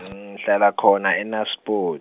ngihlala khona eNaspo-.